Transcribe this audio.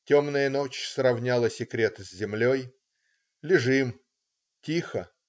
Темная ночь сровняла секрет с землей. Лежим. Тихо.